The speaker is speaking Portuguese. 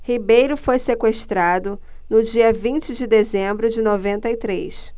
ribeiro foi sequestrado no dia vinte de dezembro de noventa e três